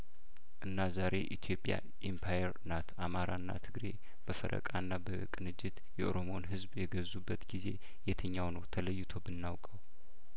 እና ዛሬ ኢትዮጵያ ኢምፓዬር ናት አማራና ትግሬ በፈረቃና በቅንጅት የኦሮሞን ህዝብ የገዙበት ጊዜ የትኛው ነው ተለይቶ ብናውቀው